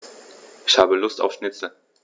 Ich habe Lust auf Schnitzel.